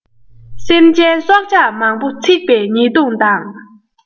སེམས ཅན སྲོག ཆགས མང པོ འཚིགས པའི ཉེས ལྟུང དང